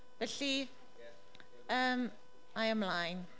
Felly yym a'i ymlaen.